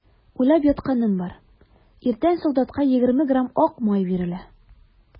Уйлап ятканым бар: иртән солдатка егерме грамм ак май бирелә.